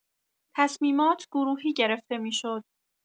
تصمیمات گروهی گرفته می‌شد.